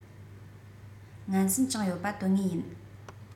ངན སེམས བཅངས ཡོད པ དོན དངོས ཡིན